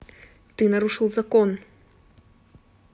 ты нарушил закон